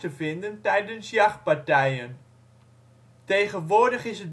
vinden tijdens jachtpartijen. Tegenwoordig is